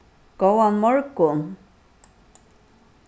góðan morgun